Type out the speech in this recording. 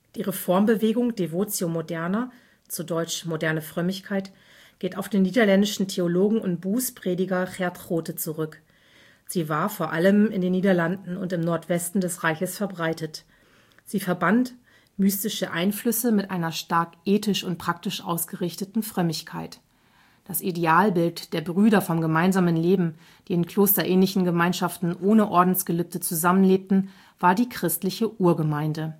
Die Reformbewegung Devotio moderna („ moderne Frömmigkeit “) geht auf den niederländischen Theologen und Bußprediger Geert Groote zurück. Sie war vor allem in den Niederlanden und im Nordwesten des Reiches verbreitet. Sie verband mystische Einflüsse mit einer stark ethisch und praktisch ausgerichteten Frömmigkeit. Das Idealbild der Brüder vom gemeinsamen Leben, die in klosterähnlichen Gemeinschaften ohne Ordensgelübde zusammenlebten, war die christliche Urgemeinde